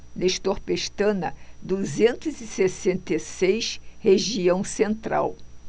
nestor pestana duzentos e sessenta e seis região central